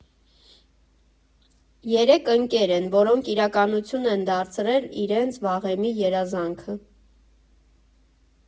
Երեք ընկեր են, որոնք իրականություն են դարձրել իրենց վաղեմի երազանքը։